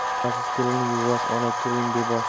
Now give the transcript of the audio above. onasiz kelin yuvvosh onali kelin bebosh